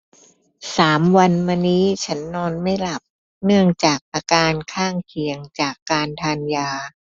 สามวันมานี้ฉันนอนไม่หลับเนื่องจากอาการข้างเคียงจากการทานยา